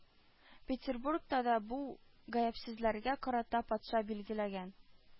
Петербургта да бу «гаепсезләр»гә карата патша билгеләгән